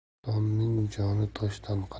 insonning joni toshdan